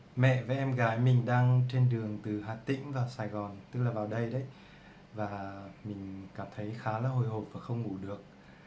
mẹ và em gái mình đang trên đường từ hà tĩnh vào sài gòn mình cảm thấy khá hồi hộp và không ngủ được